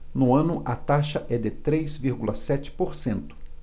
no ano a taxa é de três vírgula sete por cento